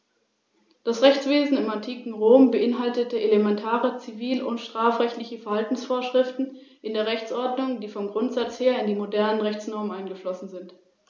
Im Gegensatz dazu haben Rattenigel keine Stacheln und erwecken darum einen eher Spitzmaus-ähnlichen Eindruck.